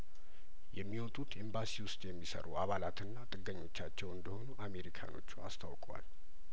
የሚ ወጡት ኤምባሲው ውስጥ የሚሰሩ አባላትና ጥገ ኞቻቸው እንደሆኑ አሜሪካኖቹ አስታውቀዋል